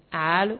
Aa